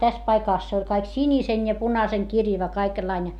tässä paikassa se oli kaikki sinisen ja punaisenkirjava kaikenlainen